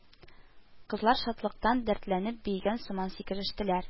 Кызлар, шатлыктан дәртләнеп, биегән сыман сикерештеләр: